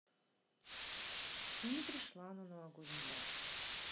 ты не пришла на новогодний бал